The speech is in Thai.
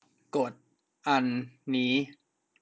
กดอันนี้